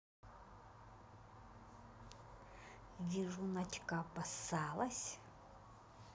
вижу надька обосалась